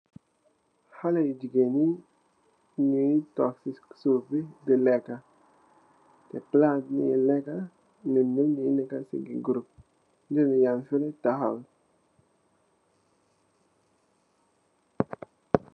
Haleh yu jigeen yi nyungi dox ci suuf bi bu werta. Palas bi nyum nyepp nyungi neka ci group. Nyenen yangi takhaw.